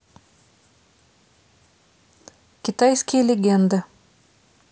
китайские легенды